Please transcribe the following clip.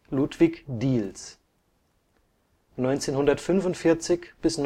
Ludwig Diels 1945 bis